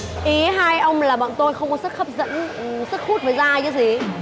ý hai ông là bọn tôi không có sức hấp dẫn sức hút với giai chứ gì